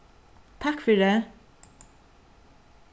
takk fyri